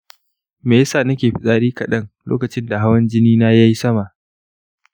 me ya sa nake fitsari kaɗan lokacin da hawan jini na ya yi sama?